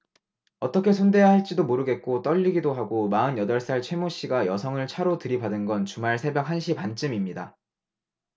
어떻게 손대야 할지도 모르겠고 떨리기도 하고 마흔 여덟 살 최 모 씨가 여성을 차로 들이받은 건 주말 새벽 한 시 반쯤입니다